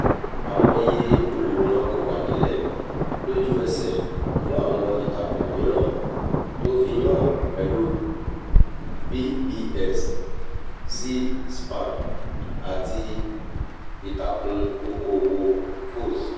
Àwọn iye olùwòran kòwá nílẹ̀ lójú ẹsẹ fún àwọn ìtàkùn mìíràn tó fi i hàn, pẹ̀lú PBS, C-SPAN àti Ìtàkùn Oko-òwò Fox.